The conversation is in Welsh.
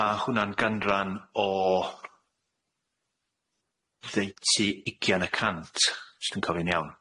Ma' hwnna'n ganran o ddeutu ugian y cant os dwi'n yn cofio'n iawn